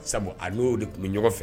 Sabu a n'o de tun bɛ ɲɔgɔn fɛ